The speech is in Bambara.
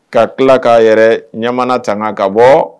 Ka tila k'a yɛrɛ ɲamana sanga ka bɔ